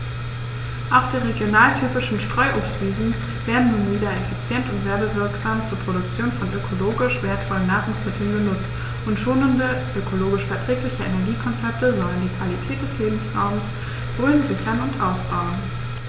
Auch die regionaltypischen Streuobstwiesen werden nun wieder effizient und werbewirksam zur Produktion von ökologisch wertvollen Nahrungsmitteln genutzt, und schonende, ökologisch verträgliche Energiekonzepte sollen die Qualität des Lebensraumes Rhön sichern und ausbauen.